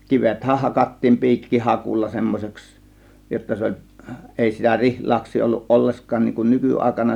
kivethän hakattiin piikkihakulla semmoiseksi jotta se oli ei sitä rihlaksia ollut ollenkaan niin kuin nykyaikana